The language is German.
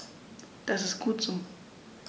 Das ist gut so.